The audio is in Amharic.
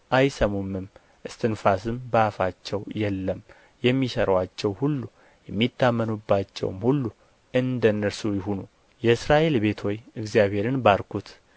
አይሰሙምም እስትንፋስም በአፋቸው የለም የሚሠሩአቸው ሁሉ የሚታመኑባቸውም ሁሉ እንደ እነርሱ ይሁን የእስራኤል ቤት ሆይ እግዚአብሔርን ባርኩት